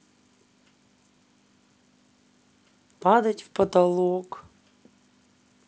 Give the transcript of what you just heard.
падать в потолок